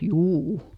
juu